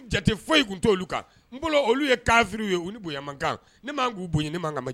'u